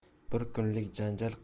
bir kunlik janjal